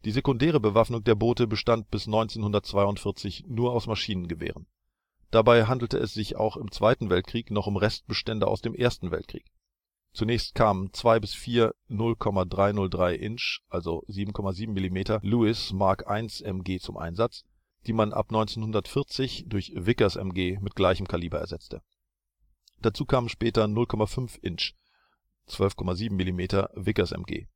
sekundäre Bewaffnung der Boote bestand bis 1942 nur aus Maschinengewehren (MG). Dabei handelte es sich auch im Zweiten Weltkrieg noch um Restbestände aus dem Ersten Weltkrieg. Zunächst kamen zwei bis vier 0,303 Inch (7,7 mm) Lewis Mark I MG zum Einsatz, die man ab 1940 durch das 0,303 Inch Vickers MG ersetzte. Dazu kamen später 0,5 Inch (12,7 mm) Vickers MG